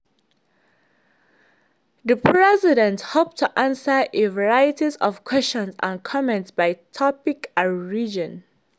The President hopes to answer a variety of questions and comments by topic and region.